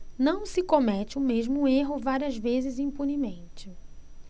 não se comete o mesmo erro várias vezes impunemente